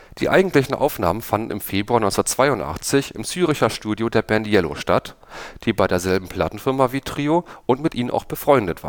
Die eigentlichen Aufnahmen fanden im Februar 1982 im Zürcher Studio der Band Yello statt, die bei derselben Plattenfirma wie Trio und mit ihnen auch befreundet